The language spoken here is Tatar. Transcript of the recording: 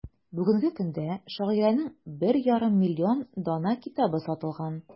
Бүгенге көндә шагыйрәнең 1,5 миллион данә китабы сатылган.